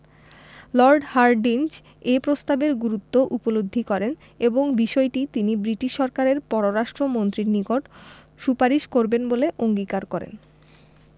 Lord Hardinge এ প্রস্তাবের গুরুত্ব উপলব্ধি করেন এবং বিষয়টি তিনি ব্রিটিশ সরকারের পররাষ্ট্র মন্ত্রীর নিকট সুপারিশ করবেন বলেও অঙ্গীকার করেন